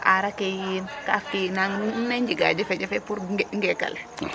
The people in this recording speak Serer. Soo aaraa ke yiin kaaf ke yi nu nangee njega jafe jafe pour ngeek ale?